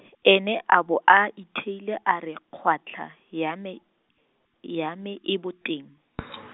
ene a bo a itheile a re kgwatlha, ya me, ya me e boteng .